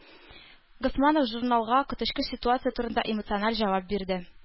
Госманов журналга коточкыч ситуация турында эмоциональ җавап бирде.